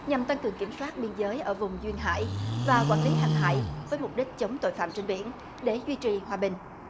nhằm tăng cường kiểm soát biên giới ở vùng duyên hải và quản lý hàng hải với mục đích chống tội phạm trên biển để duy trì hòa bình